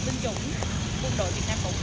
cộng